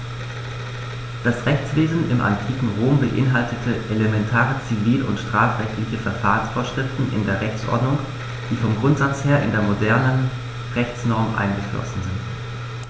Das Rechtswesen im antiken Rom beinhaltete elementare zivil- und strafrechtliche Verfahrensvorschriften in der Rechtsordnung, die vom Grundsatz her in die modernen Rechtsnormen eingeflossen sind.